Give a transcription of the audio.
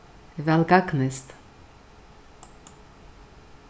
væl gagnist